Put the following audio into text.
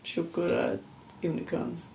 Siwgr a unicorns.